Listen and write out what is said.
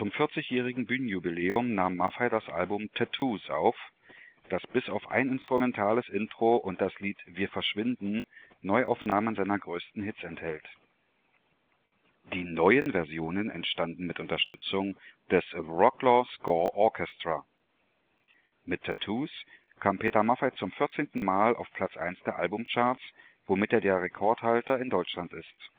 40-jährigen Bühnenjubiläum nahm Maffay das Album Tattoos auf, das bis auf ein instrumentales Intro und das Lied Wir verschwinden Neuaufnahmen seiner größten Hits enthält. Die neuen Versionen entstanden mit Unterstützung des Wroclaw Score Orchestra. Mit Tattoos kam Peter Maffay zum 14. Mal auf Platz 1 der Albumcharts, womit er der Rekordhalter in Deutschland ist